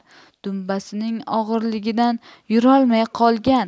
dumbasining og'irligidan yurolmay qolgan